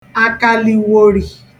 àkàlìwòrì